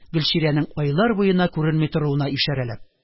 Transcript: Гөлчирәнең айлар буена күренми торуына ишарәләп.